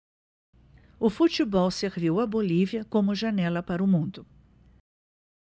o futebol serviu à bolívia como janela para o mundo